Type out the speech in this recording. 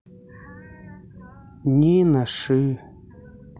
нина ши